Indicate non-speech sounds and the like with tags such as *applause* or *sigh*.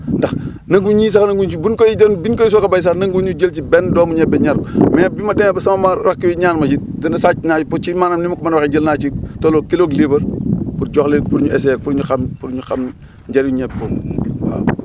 ndax nangu ñii sax nangu wu ñu si buñ koy doon biñ koy soog a béy sax nangu wu ñu ñu jël ci benn doomu ñebe *noise* ñaar mais bi ma demee ba sama rakk yi ñaan ma ci te ne sàcc naa ba ci maanaam ni ma ko mën a waxee jël naa ci lu tolloog kilo ak liibar *noise* pour jox leen ko pour ñu essayer pour ñu xam pour ñu xam njëriñ ñebe boobu *noise* waaw